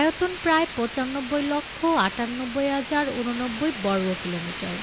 আয়তন প্রায় ৯৫ লক্ষ ৯৮ হাজার ৮৯ বর্গকিলোমিটার